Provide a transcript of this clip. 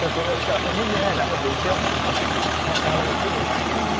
cần tôi hỗ trợ không míc như này đã hợp lý chưa hay là cao lên một chút đúng không